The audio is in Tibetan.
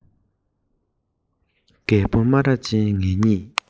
རྒད པོ སྨ ར ཅན ངེད གཉིས